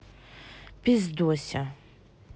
писдося